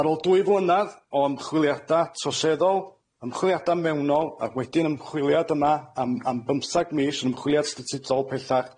Ar ôl dwy flynadd o ymchwiliada troseddol, ymchwiliada mewnol, a wedyn ymchwiliad yna am am bymthag mis, 'yn ymchwiliad statudol pellach.